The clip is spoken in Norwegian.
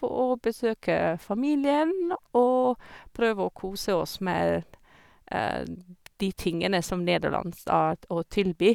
Og besøke familien, og prøve å kose oss med de tingene som Nederland s har å tilby.